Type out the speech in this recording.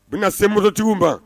N bɛna se mototigiw man.